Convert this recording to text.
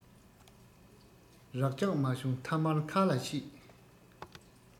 རགས རྒྱག མ བྱུང མཐའ མར མཁར ལ གཤེད